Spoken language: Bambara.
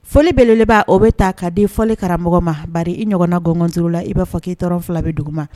Foli beleba o bɛ ta ka di fɔlikara ma ba i ɲɔgɔnganɔn duuruuru la i b'a fɔ k ii dɔrɔn fila bɛ dugu ma